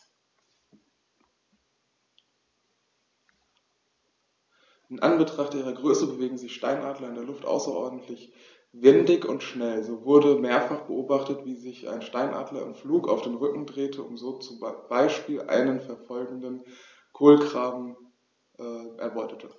In Anbetracht ihrer Größe bewegen sich Steinadler in der Luft außerordentlich wendig und schnell, so wurde mehrfach beobachtet, wie sich ein Steinadler im Flug auf den Rücken drehte und so zum Beispiel einen verfolgenden Kolkraben erbeutete.